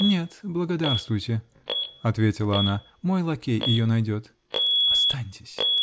-- Нет, благодарствуйте, -- ответила она, -- мой лакей ее найдет. -- Останьтесь!